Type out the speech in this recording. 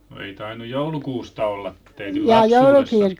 no ei tainnut joulukuusta olla teidän lapsuudessa